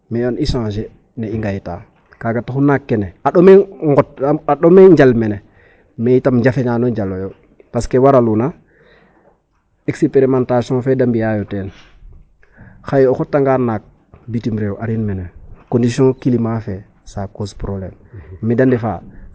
Mais xan i changer ne i ngayta kaaga taxu naak kene a ɗoma nqot a ɗome jal mene mais tamit njafe nano njalooyo parce que ke waraluna exprimentation fe da mbi'aayo teen xaye .O xotanga naak bitim reew arin mene condition climat fe ca cause problème me da ndefaa.